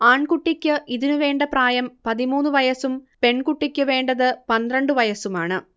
ആൺകുട്ടിക്ക് ഇതിനു വേണ്ട പ്രായം പതിമൂന്ന് വയസ്സും പെൺകുട്ടിക്കു വേണ്ടത് പന്ത്രണ്ട് വയസ്സുമാണ്